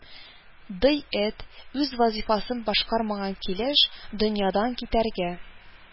Дый эт, үз вазифасын башкармаган килеш, дөньядан китәргә